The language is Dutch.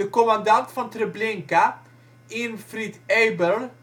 commandant van Treblinka, Irmfried Eberl